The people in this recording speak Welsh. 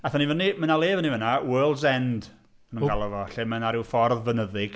Aethan ni fyny. Ma' 'na le fyny fan'na, "World's End" maen nhw'n galw fo, lle mae 'na ryw ffordd fynyddig.